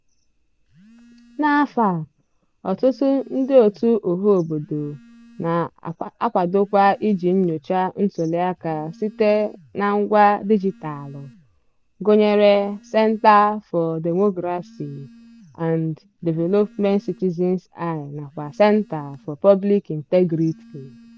N'afọ a, ọtụtụ ndịòtù ọhaobodo na-akwadokwa iji nyochaa ntuliaka site na ngwa dijitaalụ, gụnyere Center for Democracy and Development, Citizen's Eye nakwa Center for Public Integrity.